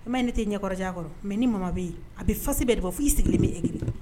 I ma ye ne tɛ ɲɛkɔrɔdiy'a kɔrɔ mais ni mama be ye a be face bɛɛ de bɔ f'i sigilen be aigri